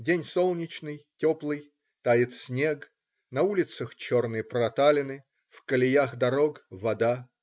День солнечный, теплый - тает снег, на улицах - черные проталины, в колеях дорог - вода.